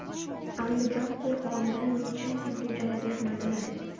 andijon qo'rg'onidan nechun sizga joy bermadilar